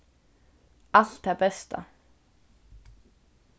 alt tað besta